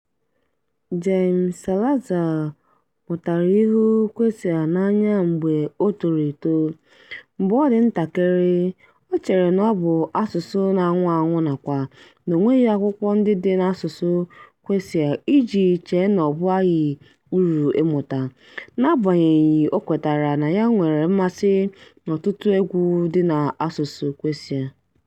Jaime Salazar mụtara ịhụ Quechua n'anya mgbe o toro eto: mgbe ọ dị ntakịrị, o chere na ọ bụ asụsụ na-anwụ anwụ nakwa na onweghi akwụkwọ ndị dị n'asụsụ Quechua iji chee na ọ baghị uru ịmụta, n'agbanyeghị o kwetara na ya nwere mmasị n'ọtụtụ egwu dị n'asụsụ Quechua.